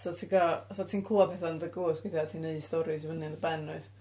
So ti'n gwybod... fatha ti'n clywed petha yn dy gwsg weithiau, ti'n gwneud storis fyny yn dy ben wyt.